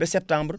ba semptembre